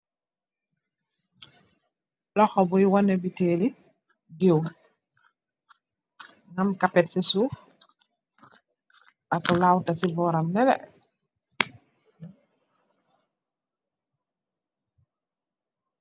Lokho buye wooneh boutelli ndiw amm kappet si soof ak routa si boram nelleh